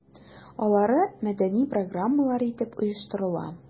Алары мәдәни программалар итеп оештырыла.